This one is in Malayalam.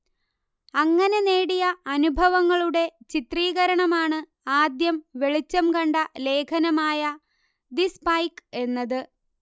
അങ്ങനെ നേടിയ അനുഭവങ്ങളുടെ ചിത്രീകരണമാണ് ആദ്യം വെളിച്ചം കണ്ട ലേഖനമായ ദി സ്പൈക്ക് എന്നത്